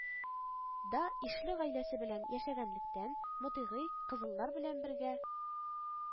Да ишле гаиләсе белән яшәгәнлектән, мотыйгый кызыллар белән бергә